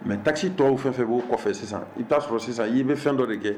Mɛ tasi tɔw fɛn fɛ b'o kɔfɛ sisan i t'a sɔrɔ sisan ii bɛ fɛn dɔ de kɛ